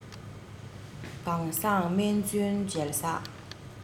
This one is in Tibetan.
གང བཟང སྨན བཙུན མཇལ ས